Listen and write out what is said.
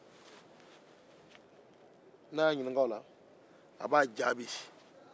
n'a y'a ɲininka o la a b'a jaabi